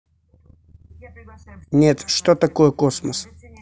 нет что такое космос